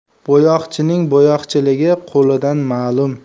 bo'yoqchining bo'yoqchiligi qo'lidan ma'lum